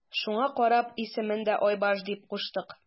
Шуңа карап исемен дә Айбаш дип куштык.